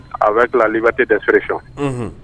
A bɛ dilanliba tɛ da feereerec